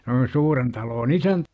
se oli suuren talon isäntä